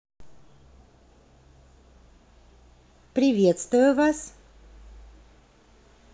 приветствую вас